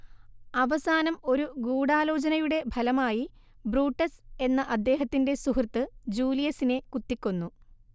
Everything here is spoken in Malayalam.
അവസാനം ഒരു ഗൂഡാലോചനയുടെ ഫലമായി ബ്രൂട്ടസ് എന്ന അദ്ദേഹത്തിന്റെ സുഹൃത്ത് ജൂലിയസിനെ കുത്തിക്കൊന്നു